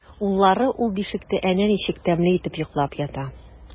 Уллары ул бишектә әнә ничек тәмле итеп йоклап ята!